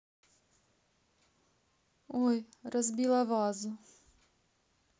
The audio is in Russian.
ой разбила вазу